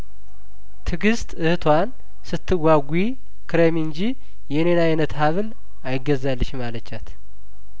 ትግስት እህቷን ስትጓጉ ክረሚ እንጂ የኔን አይነት ሀብል አይገዛልሽም አለቻት